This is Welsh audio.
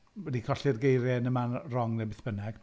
Wedi colli'r geiriau, yn y man wrong neu beth bynnag...